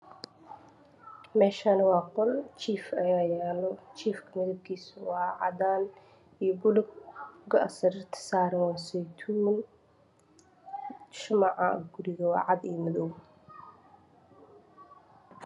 Meshaan waa qol jiif aya yaalo jiifka midabkiisa go aya jaalo goa midabkiis waahuruud shumaca guri waa cad iyo madow